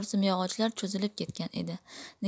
simyog'ochlar cho'zilib ketgan edi